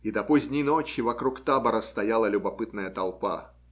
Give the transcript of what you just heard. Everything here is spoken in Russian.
И до поздней ночи вокруг табора стояла любопытная толпа.